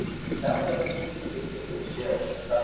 kamida uch yilga kesilishi va